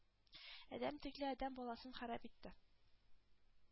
Адәм тикле адәм баласын харап итте...